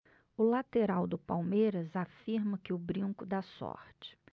o lateral do palmeiras afirma que o brinco dá sorte